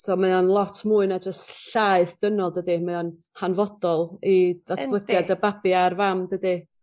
...so mae o'n lot mwy na jyst llaeth dynol dydi mae o'n hanfodol i datblygiad y babi a'r fam dydi?